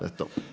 nettopp.